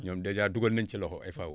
ñoom dèjà dugal nañ si loxo FAO